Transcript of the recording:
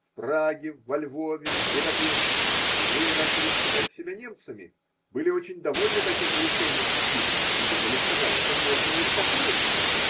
В Праге, во Львове, в Будапеште евреи начали считать себя немцами, были очень довольны таким повышением в чине и думали, что на этом можно и успокоиться.